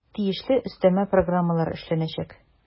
Тиешле өстәмә программалар эшләнәчәк.